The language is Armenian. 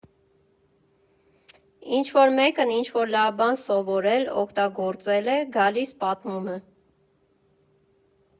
Ինչ֊որ մեկն ինչ֊որ լավ բան սովորել, օգտագործել է, գալիս պատմում է»։